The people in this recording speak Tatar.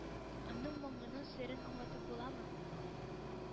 Аның моңының серен аңлатып буламы?